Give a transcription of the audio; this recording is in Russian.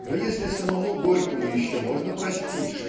но если самому Горькому еще можно простить